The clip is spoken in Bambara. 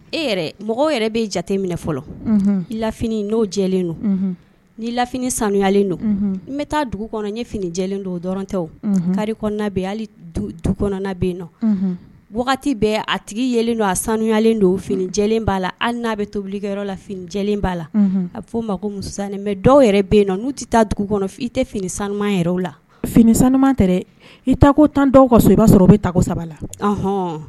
E yɛrɛ mɔgɔw yɛrɛ bɛ jate minɛ fɔlɔ i laini n'o jɛlen don ni laini sanuyalen don n bɛ taa dugu kɔnɔ ɲɛ finijɛlen don dɔrɔn tɛw kari kɔnɔna bɛ hali du kɔnɔna bɛ na wagati bɛ a tigi yelen don a sanuyalen don finijɛlen b'a la hali n'a bɛ tobilikɛyɔrɔ la finijɛ b'a la a'o ma ko musanninmɛ dɔw yɛrɛ bɛ yen n'u tɛ taa dugu kɔnɔ i tɛ fini sanu yɛrɛ o la fini sanu i ta ko tan kɔ so i b'a sɔrɔ i bɛ ta sabahɔn